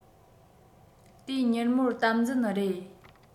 དེའི མྱུར མོར དམ འཛིན རེད